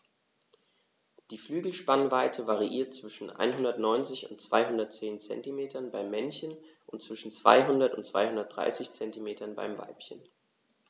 Die Flügelspannweite variiert zwischen 190 und 210 cm beim Männchen und zwischen 200 und 230 cm beim Weibchen.